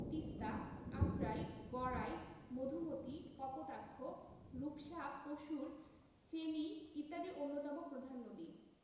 তিস্তা আত্রাই গড়াই মধুমতি কপোতাক্ষ রূপসা পসুর ফেনী ইত্যাদি অন্যতম প্রধান নদী